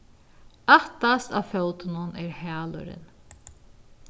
aftast á fótinum er hælurin